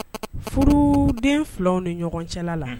Furuden filaw ni ɲɔgɔn cɛla la